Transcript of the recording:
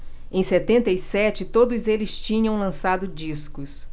em setenta e sete todos eles tinham lançado discos